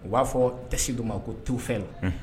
U b'a fɔ tɛsidu ma ko tufɛ la